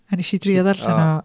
A wnes i drio ddarllen... o ...o.